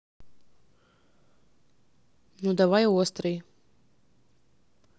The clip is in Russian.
ну давай острый